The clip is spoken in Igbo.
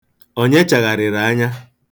Onye chagharịrị anya?